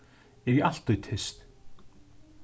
eg eri altíð tyst